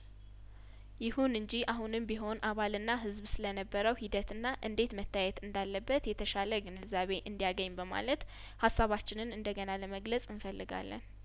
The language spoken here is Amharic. ይሁን እንጂ አሁንም ቢሆን አባልና ህዝብ ስለነበረው ሂደትና እንዴት መታየት እንዳለበት የተሻለግንዛቤ እንዲ ያገኝ በማለት ሀሳባችንን እንደገና ለመግለጽ እንፈልጋለን